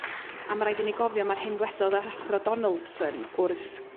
a ma' raid i ni gofio am yr hyn ddwedodd yr athro Donaldson wrth